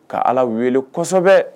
Ka ala wele kosɛbɛ kosɛbɛ